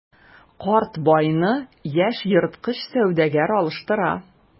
Карт байны яшь ерткыч сәүдәгәр алыштыра.